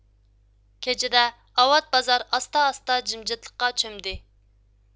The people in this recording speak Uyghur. كېچىدە ئاۋات بازار ئاستا ئاستا جىمجىملىققا چۆمدى